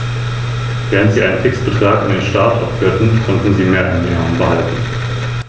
Das Fell der Igel ist meist in unauffälligen Braun- oder Grautönen gehalten.